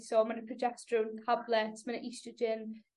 sôn ma' 'na progesteron tablets ma' 'na oestrogen